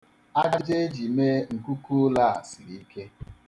Aja eji mee nkuku ụlọ a siri ike.